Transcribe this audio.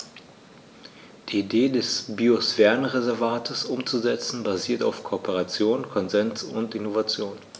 Die Idee des Biosphärenreservates umzusetzen, basiert auf Kooperation, Konsens und Innovation.